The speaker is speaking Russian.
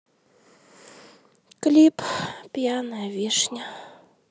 клип пьяная вишня